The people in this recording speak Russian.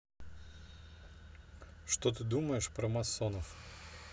что ты думаешь про масонов